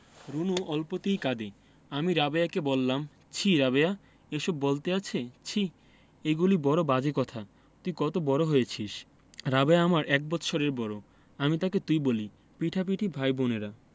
রুনু অল্পতেই কাঁদে আমি রাবেয়াকে বললাম ছিঃ রাবেয়া এসব বলতে আছে ছিঃ এগুলি বড় বাজে কথা তুই কত বড় হয়েছিস রাবেয়া আমার এক বৎসরের বড় আমি তাকে তুই বলি পিঠাপিঠি ভাই বোনেরা